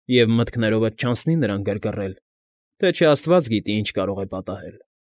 Եվ մտքներովդ չանցնի նրան գրգռել, թե չէ աստված գիտի, ինչ կարող է պատահել։